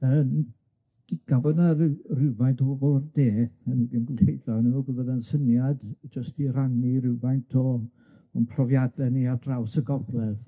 Yym gafodd 'na ryw rywfaint o bobl de nw bydde fe'n syniad jyst i rannu rywfaint o ein profiade ni ar draws y gogledd.